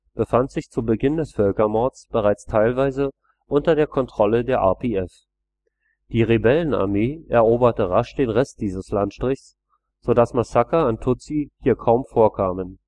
befand sich zu Beginn des Völkermords bereits teilweise unter Kontrolle der RPF. Die Rebellenarmee eroberte rasch den Rest dieses Landstrichs, sodass Massaker an Tutsi hier kaum vorkamen